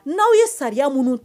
N'aw ye sariya minnu